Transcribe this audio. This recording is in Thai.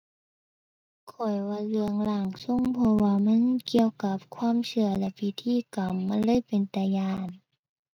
ข้อยว่าเรื่องร่างทรง เพราะว่ามันเกี่ยวกับความเชื่อและพิธีกรรมมันเลยเป็นตาย้าน